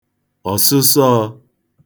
ọ̀sụsọọ̄